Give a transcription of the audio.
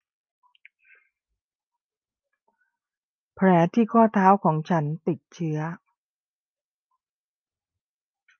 แผลที่ข้อเท้าของฉันติดเชื้อ